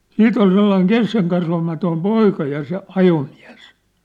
sitten oli sellainen keskenkasvuinen poika ja se ajomies